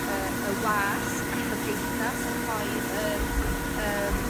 y y wasg a chymdeithas yn rhoi yr yym